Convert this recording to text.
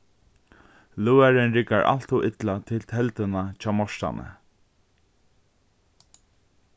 løðarin riggar alt ov illa til telduna hjá mortani